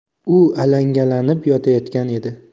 u alangalanib yonayotgan edi